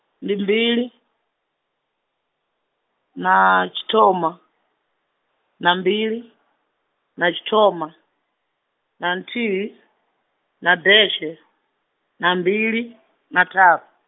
ndi mbili, na tshithoma, na mbili, na tshithoma, na nthihi, na deshe, na mbili na ṱharu.